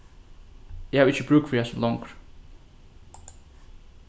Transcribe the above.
eg havi ikki brúk fyri hasum longur